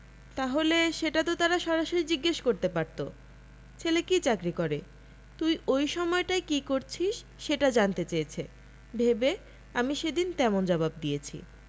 তাহলে সেটা তো তারা সরাসরি জিজ্ঞেস করতে পারত ছেলে কী চাকরি করে তুই ওই সময়টায় কী করছিস সেটি জানতে চেয়েছে ভেবে আমি সেদিন তেমন জবাব দিয়েছি